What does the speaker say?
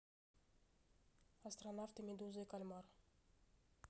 астронавты медуза и кальмар